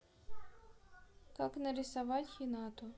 как нарисовать хинату